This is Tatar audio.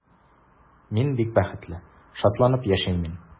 Мин бик бәхетле, шатланып яшим мин.